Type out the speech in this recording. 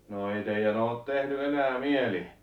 no ei teidän ole tehnyt enää mieli